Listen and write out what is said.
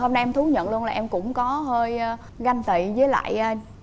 hôm nay em thú nhận luôn là em cũng có hơi ganh tị với lại